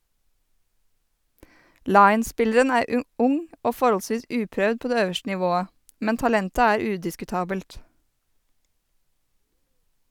Lyon-spilleren er ung og forholdsvis uprøvd på det øverste nivået, men talentet er udiskutabelt.